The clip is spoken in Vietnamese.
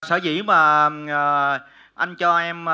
sở dĩ mà à anh cho em